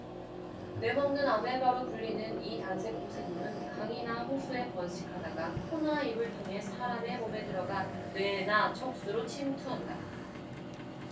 뇌 먹는 아메바로 불리는 이 단세포 생물은 강이나 호수에 번식하다가 코나 입을 통해 사람의 몸에 들어가 뇌나 척추로 침투한다